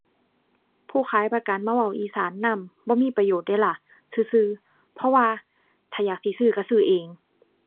ผู้ขายประกันมาเว้าอีสานนำ บ่มีประโยชน์เดะล่ะ ซื่อซื่อ เพราะว่าถ้าอยากสิซื้อก็ซื้อเอง